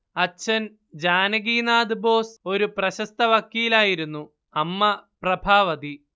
അച്ഛൻ ജാനകിനാഥ് ബോസ് ഒരു പ്രശസ്ത വക്കീലായിരുന്നു അമ്മ പ്രഭാവതി